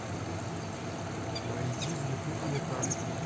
найди в ютуб металлику